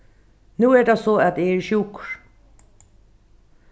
nú er tað so at eg eri sjúkur